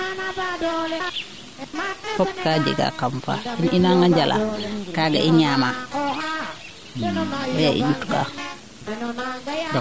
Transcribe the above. fop kaa jega kam faa i naanga njalaa kaaga i ñaama mbaya i njut kaa